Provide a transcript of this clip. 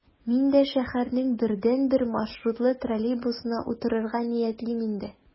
Мин дә шәһәрнең бердәнбер маршрутлы троллейбусына утырырга ниятлим инде...